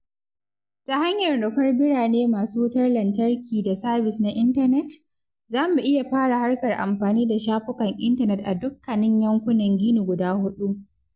Ta hanyar nufar birane masu wutar lantarki da sabis na intanet, za mu iya fara harkar amfani da shafukan intanet a dukkanin yankunan Guinea guda huɗu.